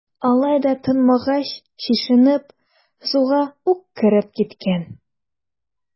Алай да тынмагач, чишенеп, суга ук кереп киткән.